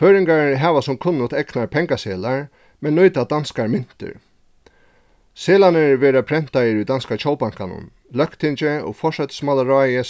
føroyingar hava sum kunnugt egnar pengaseðlar men nýta danskar myntir seðlarnir verða prentaðir í danska tjóðbankanum løgtingið og forsætismálaráðið